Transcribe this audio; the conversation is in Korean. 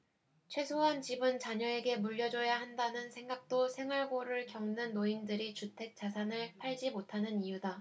최소한 집은 자녀에게 물려줘야 한다는 생각도 생활고를 겪는 노인들이 주택 자산을 팔지 못하는 이유다